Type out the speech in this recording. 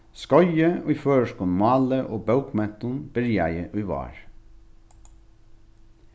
skeiðið í føroyskum máli og bókmentum byrjaði í vár